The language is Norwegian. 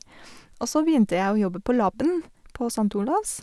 Og så begynte jeg å jobbe på laben på Sankt Olavs.